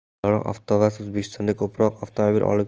avvalroq avtovaz o'zbekistonga ko'proq avtomobil